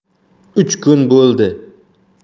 uch kun bo'ldi